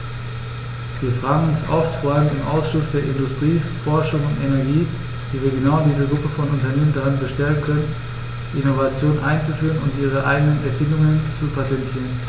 Wir fragen uns oft, vor allem im Ausschuss für Industrie, Forschung und Energie, wie wir genau diese Gruppe von Unternehmen darin bestärken können, Innovationen einzuführen und ihre eigenen Erfindungen zu patentieren.